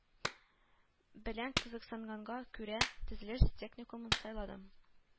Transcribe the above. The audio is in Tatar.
Белән кызыксынганга күрә, төзелеш техникумын сайладым